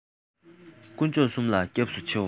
ཀུན མཆོག གསུམ ལ སྐྱབས སུ འཆིའོ